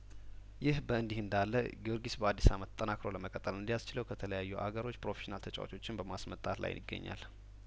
ይህ በእንዲህ እንዳለ ጊዮርጊስ በአዲስ አመት ተጠናክሮ ለመቅረብ እንዲ ያስችለው ከተለያዩ አገሮች ፕሮፌሽናል ተጫዋቾችን በማስመጣት ላይ ይገኛል